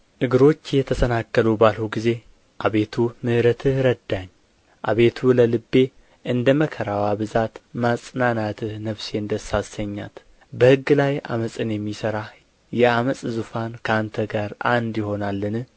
እግሮቼ ተሰናከሉ ባልሁ ጊዜ አቤቱ ምሕረትህ ረዳኝ አቤቱ ለልቤ እንደ መከራዋ ብዛት ማጽናናትህ ነፍሴን ደስ አሰኛት በሕግ ላይ ዓመፅን የሚሠራ የዓመፅ ዙፋን ከአንተ ጋር አንድ ይሆናልን